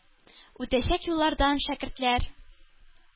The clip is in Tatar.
Үтәчәк юллардан шәкертләр